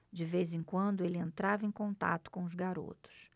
de vez em quando ele entrava em contato com os garotos